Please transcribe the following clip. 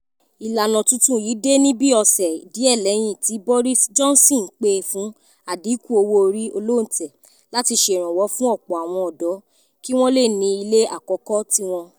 Ìlànà tuntun yìí dé ní bíi ọ̀ṣẹ díẹ̀ lẹ́yìn tí Boris Johnson pè fún àdínkù owó orí olóǹtẹ̀ láti ṣèrànwọ́ fún ọ̀pọ̀ àwọn ọ̀dọ̀ kí wọ́n le ní ilé àkọ̀kọ̀ tiwọ́n.